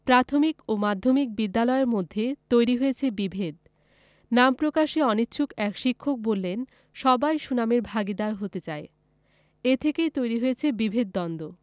প্রাথমিক ও মাধ্যমিক বিদ্যালয়ের মধ্যে তৈরি হয়েছে বিভেদ নাম প্রকাশে অনিচ্ছুক এক শিক্ষক বললেন সবাই সুনামের ভাগীদার হতে চায় এ থেকেই তৈরি হয়েছে বিভেদ দ্বন্দ্ব